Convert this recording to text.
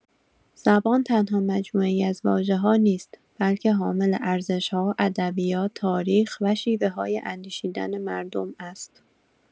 زبان تنها مجموعه‌ای از واژه‌ها نیست، بلکه حامل ارزش‌ها، ادبیات، تاریخ و شیوه‌های اندیشیدن مردم است.